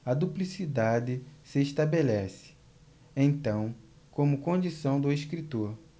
a duplicidade se estabelece então como condição do escritor